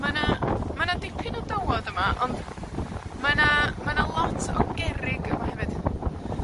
Mae 'na, mae 'na dipyn o dywod yma, ond mae 'na, mae 'na lot o gerrig yma hefyd.